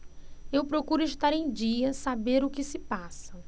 eu procuro estar em dia saber o que se passa